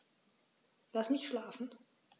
Lass mich schlafen